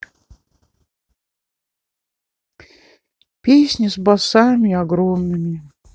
песня с басами огромными